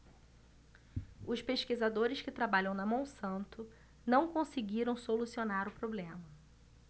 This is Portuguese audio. os pesquisadores que trabalham na monsanto não conseguiram solucionar o problema